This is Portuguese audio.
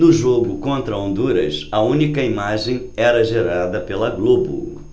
no jogo contra honduras a única imagem era gerada pela globo